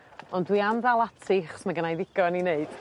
Ond dwi am ddal ati 'chos mae gynna i ddigon i neud.